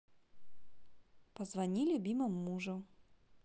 позвони любимому мужу